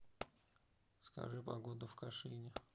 скажи погоду в кашине